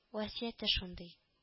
Васыяте шундый